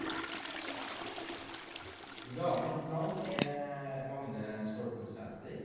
Ja, mitt navn er Magne Stolpnessæter.